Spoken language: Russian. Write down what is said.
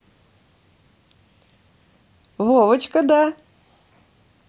вовочка да